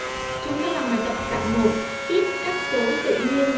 chúng ta làm bài tập dạng viết các số tự nhiên